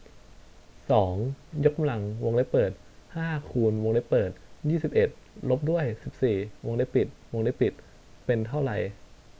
สองยกกำลังวงเล็บเปิดห้าคูณวงเล็บเปิดยี่สิบเอ็ดลบด้วยสิบสี่วงเล็บปิดวงเล็บปิดเป็นเท่าไร